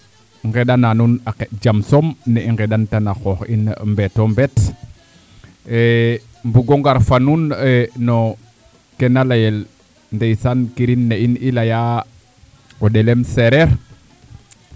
nqeɗana nuun a xeɗ jam soom ne i nqeɗan tan a qoox in mbeeto mbeet mbungo ngar fo nuun no keena layel ndeysaan kirin ne in i layaa o ɗelem seereer